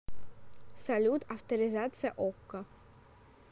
салют авторизация okko